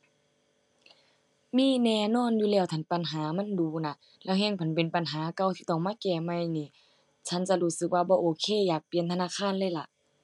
มีแน่นอนอยู่แล้วทันปัญหามันดู๋น่ะ แล้วแฮ่งคันเป็นปัญหาเก่าที่ต้องมาแก้ใหม่หนิ ฉันจะรู้สึกว่าบ่โอเคอยากเปลี่ยนธนาคารเลยล่ะ